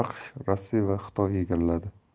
aqsh rossiya va xitoy egalladi